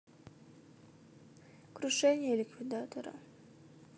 крушение ликвидатора